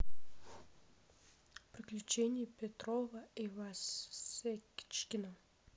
приключения петрова и васечкина